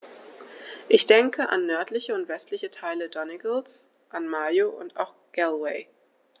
Ich denke an nördliche und westliche Teile Donegals, an Mayo, und auch Galway.